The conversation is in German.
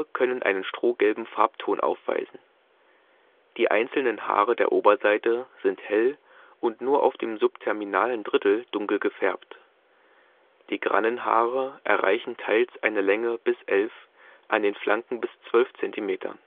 können einen strohgelben Farbton aufweisen. Die einzelnen Haare der Oberseite sind hell und nur auf dem subterminalen Drittel dunkel gefärbt. Die Grannenhaare erreichen teils eine Länge bis 11, an den Flanken bis 12 cm